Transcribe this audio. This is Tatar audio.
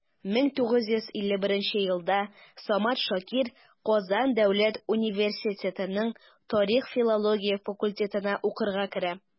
1951 елда самат шакир казан дәүләт университетының тарих-филология факультетына укырга керә.